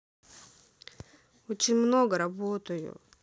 очень много работаю